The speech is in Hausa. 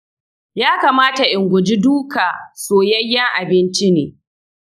yakamata in guji duka soyayyun abinci ne?